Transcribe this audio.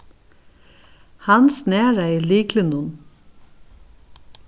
hann snaraði lyklinum